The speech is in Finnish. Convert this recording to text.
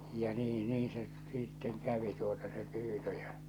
ja niin niin se sitten kävi tuota se pyytö ja